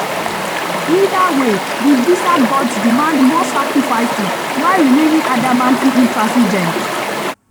Either way the visa gods demand more sacrifices, while remaining adamantly intransigent.